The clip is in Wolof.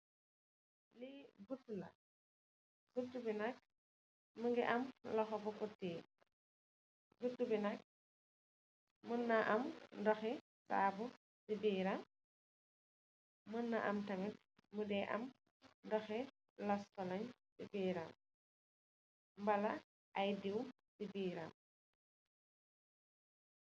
Lii gotula, gotu bi nak mingi am loxo bu ko tiye, gotubi nak muna am doxxi sabu si biir ram, muna am tamit mude am doxxi los kolanj si biir ram, mbala ay diw si biir ram